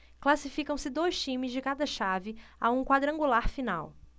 classificam-se dois times de cada chave a um quadrangular final